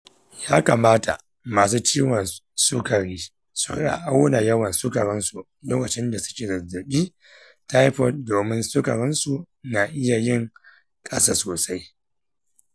yakamata masu ciwon sukari su riƙa auna yawan sukarinsu lokacin da suke da zazzabin taifot domin sukarinsu na iya yin ƙasa sosai.